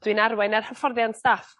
dwi'n arwain ar hyfforddiant staff